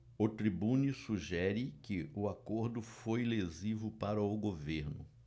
o tribune sugere que o acordo foi lesivo para o governo